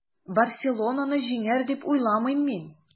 “барселона”ны җиңәр, дип уйламыйм мин.